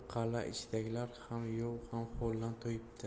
yov ham holdan toyibdi